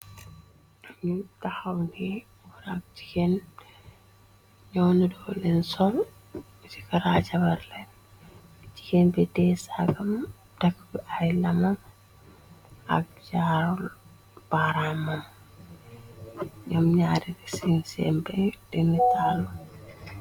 Nu taxaw ni goor ak jigeen ñoonu ro lunsol jikeee ak jabarlen jigéen be tiye sagam takkb ay laman ak jarol baraman ñom nyarr sebe denatalu.